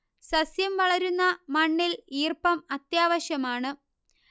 സസ്യം വളരുന്ന മണ്ണിൽ ഈർപ്പം അത്യാവശ്യമാണ്